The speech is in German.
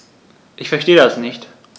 Ich verstehe das nicht.